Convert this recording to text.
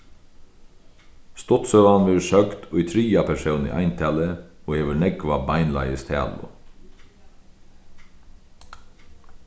stuttsøgan verður søgd í triðja persóni eintali og hevur nógva beinleiðis talu